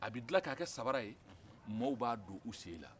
a bɛ dilan ka kɛ samara ye maaw b'a don u sen na